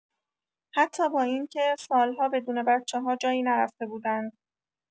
حتی با اینکه سال‌ها بدون بچه‌ها جایی نرفته بودند.